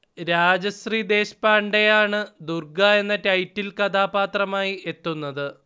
രാജശ്രീ ദേശ്പാണ്ഡേയാണ് ദുർഗ എന്ന ടൈറ്റിൽ കഥാപാത്രമായി എത്തുന്നത്